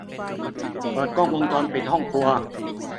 เปิดกล้องวงจรปิดห้องครัว